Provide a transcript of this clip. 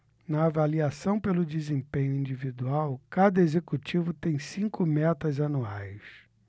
na avaliação pelo desempenho individual cada executivo tem cinco metas anuais